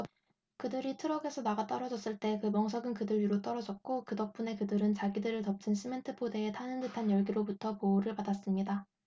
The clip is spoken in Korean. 그들이 트럭에서 나가떨어졌을 때 그 멍석은 그들 위로 떨어졌고 그 덕분에 그들은 자기들을 덮친 시멘트 포대의 타는 듯한 열기로부터 보호를 받았습니다